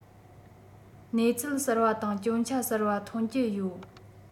གནས ཚུལ གསར པ དང སྐྱོན ཆ གསར པ ཐོན གྱི ཡོད